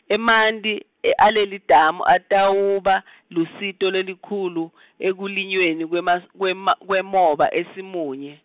emanti, alelidamu atawuba, lusito lelikhulu, ekulinyweni kwema S-, kwema, kwemoba eSimunye.